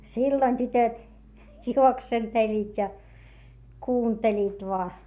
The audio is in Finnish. silloin tytöt juoksentelivat ja kuuntelivat vain